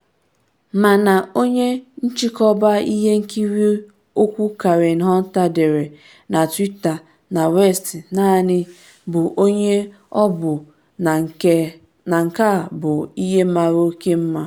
Mana onye nchịkọba ihe nkiri okwu Karen Hunter dere na twitter na West naanị “bụ onye ọ bụ, na nke a bụ ihe mara oke mma.”